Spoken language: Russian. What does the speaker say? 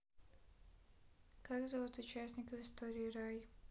как зовут участников истории рай